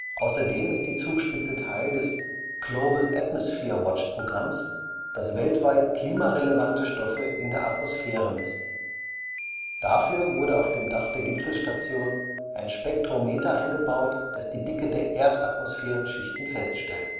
Außerdem ist die Zugspitze Teil des Global-Atmosphere-Watch-Programms, das weltweit klimarelevante Stoffe in der Atmosphäre misst. Dafür wurde auf dem Dach der Gipfelstation ein Spektrometer eingebaut, das die Dicke der Erdatmosphären-Schichten feststellt